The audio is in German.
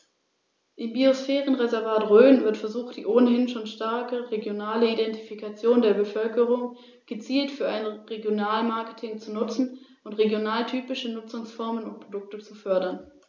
Rom wurde damit zur ‚De-Facto-Vormacht‘ im östlichen Mittelmeerraum.